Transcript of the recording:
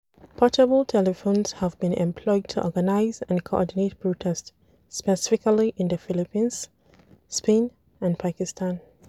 Portable telephones have been employed to organize and coordinate protests – specifically in the Philippines, Spain and Pakistan.